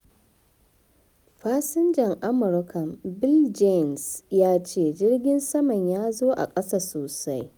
Fasinjan Amurka Bill Jaynes ya ce jirgin saman ya zo a kasa sosai.